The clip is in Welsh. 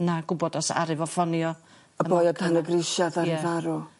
na gwbod os aru fo ffonio ... Y boi o Tan y Grisia ddaru... Ie. ...farw?